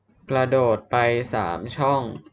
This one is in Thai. กระโดดไปสามช่อง